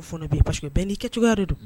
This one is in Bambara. Fana' baseke bɛɛ n' kɛ cogoya yɛrɛ don